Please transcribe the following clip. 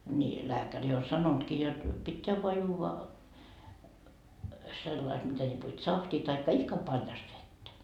niin lääkäri on sanonutkin jotta pitää vain juoda sillä lailla että mitä lipo tsahtia tai ihka paljasta vettä